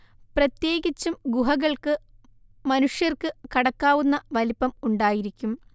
പ്രത്യേകിച്ചും ഗുഹകൾക്ക് മനുഷ്യർക്ക് കടക്കാവുന്ന വലിപ്പം ഉണ്ടായിരിക്കും